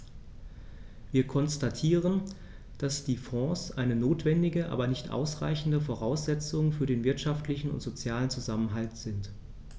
Wir konstatieren, dass die Fonds eine notwendige, aber nicht ausreichende Voraussetzung für den wirtschaftlichen und sozialen Zusammenhalt sind.